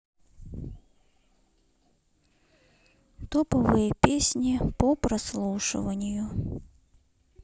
топовые песни по прослушиванию